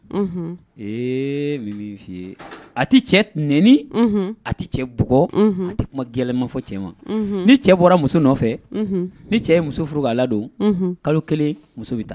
A tɛ cɛ ti a tɛ cɛ bugɔ a tɛ kuma gɛlɛnlimafo cɛ ma ni cɛ bɔra muso nɔfɛ ni cɛ ye muso furu ala don kalo kelen muso bɛ taa